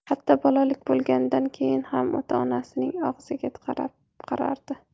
hatto bolalik bo'lgandan keyin ham ota onasining og'ziga qarardi